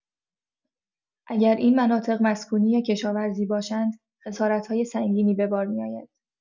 اگر این مناطق مسکونی یا کشاورزی باشند، خسارت‌های سنگینی به بار می‌آید.